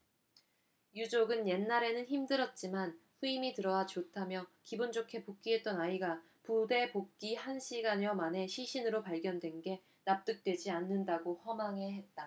유족은 옛날에는 힘들었지만 후임이 들어와 좋다며 기분 좋게 복귀했던 아이가 부대 복귀 한 시간여 만에 시신으로 발견된 게 납득되지 않는다고 허망해 했다